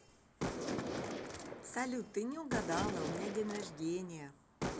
салют ты не угадала у меня день рождения